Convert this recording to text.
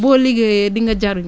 boo liggéeyee di nga jëriñu